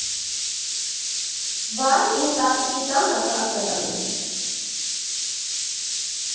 «Վա՜յ, իմ տատիկի տանը կա սրանից»